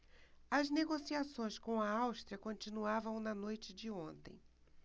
as negociações com a áustria continuavam na noite de ontem